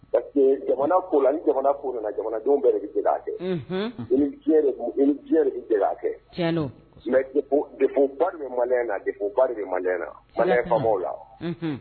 parce que Jamana ko la , ni jamana ko nana , unhun, jamanadenw bɛɛ de bɛ nɛ k'a kɛ ,tiɲɛn don, I ni diɲɛ bɛɛ de bɛ jɛ k'a kɛ defaut ba de bɛ malɲɛn na ' defaut _ ba de bɛ Maliɲɛn na, malliɲɛn faamaw la.sika t'a la, unhun